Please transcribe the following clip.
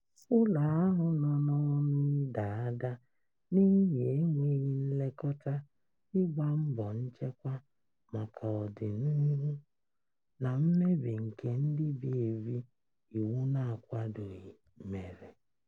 Ụlọ ahụ nọ n'ọnụ ịda ada n'ihi enweghị nlekọta, ịgba mbọ nchekwa maka ọdịnuhu, na mmebi nke ndị bi ebi iwu na-akwadoghị mere.